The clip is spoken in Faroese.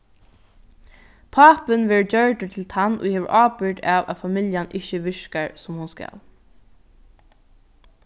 pápin verður gjørdur til tann ið hevur ábyrgd av at familjan ikki virkar sum hon skal